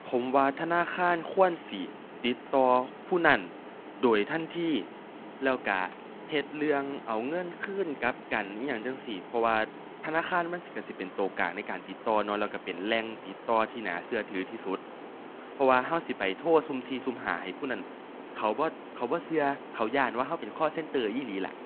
ผมว่าธนาคารควรสิติดต่อผู้นั้นโดยทันที แล้วก็เฮ็ดเรื่องเอาเงินคืนกลับกันอิหยังจั่งซี้ เพราะว่าธนาคารมันสิก็สิเป็นก็กลางในการติดต่อเนาะ แล้วก็เป็นแหล่งติดต่อที่น่าก็ถือที่สุด เพราะว่าก็สิไปโทรสุ่มสี่สุ่มห้าให้ผู้นั้น เขาบ่ เขาบ่ก็เขาย้านว่าก็เป็น call center อีหลีล่ะ